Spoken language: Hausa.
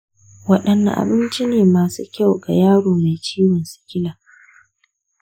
wadanne abinci ne masu kyau ga yaro mai ciwon sikila?